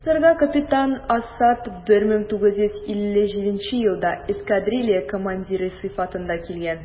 СССРга капитан Асад 1957 елда эскадрилья командиры сыйфатында килгән.